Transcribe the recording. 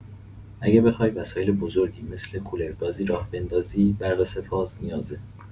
اگه بخوای وسایل بزرگی مثل کولرگازی راه بندازی، برق سه‌فاز نیازه.